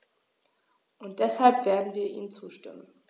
Und deshalb werden wir ihm zustimmen.